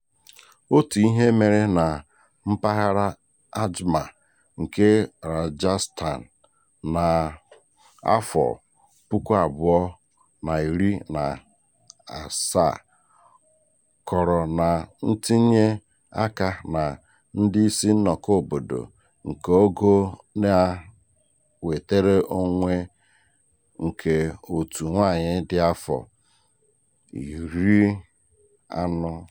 Otu ihe mere na mpaghara Ajmer nke Rajasthan na 2017 kọrọ na ntinye aka na ndị isi nnọkọ obodo nke ogo na-wetere ọnwụ nke otu nwaanyị dị afọ 40.